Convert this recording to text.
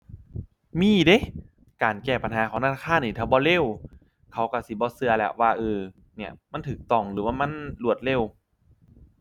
มีเดะ การแก้ปัญหาของธนาคารนี่ถ้าบ่เร็วเขาก็สิบ่ก็แล้วว่า เออ เนี่ย มันก็ต้องหรือว่ามันรวดเร็ว